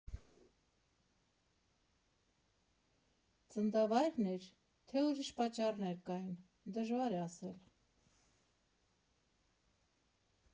Ծննդավա՞յրն էր, թե՞ ուրիշ պատճառներ կային՝ դժվար է ասել։